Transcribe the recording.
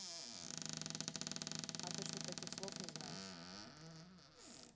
а ты что таких слов не знаешь